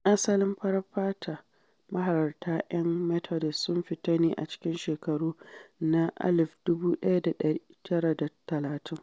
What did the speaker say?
Asalin farar fata mahalarta ‘yan Methodist sun fita ne a cikin shekaru na 1930.